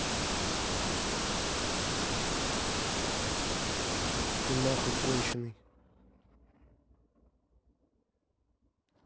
ты нахуй конченный